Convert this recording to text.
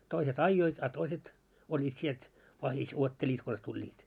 toiset ajoivat a toiset olivat sieltä vahdissa odottelivat konsa tulivat